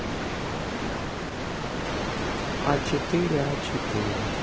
а четыре а четыре